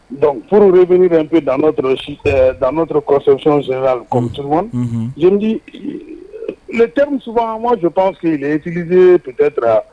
Donc furu pini bɛp da da j t su tan filisisi ptetura